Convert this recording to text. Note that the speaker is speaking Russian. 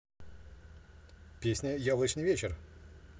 песня яблоневый вечер